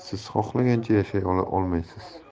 siz xohlagancha yashay olmaysiz